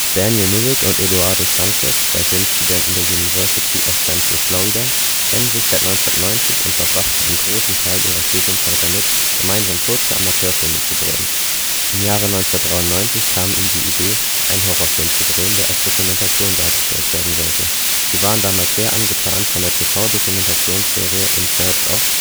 Daniel Myrick und Eduardo Sanchez, zwei Filmstudenten der University of Central Florida, kennen sich seit 1990 und verbrachten einen großen Teil ihrer Studienzeit damit, gemeinsam kurze Amateurfilme zu drehen. Im Jahre 1993 kam ihnen die Idee, einen Horrorfilm zu drehen, der als Dokumentation dargestellt werden sollte. Sie waren damals sehr angetan von der TV-Dokumentations-Serie „ In Search of